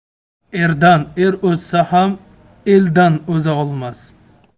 erdan er o'zsa ham eldan o'zolmas